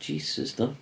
Jesus, do?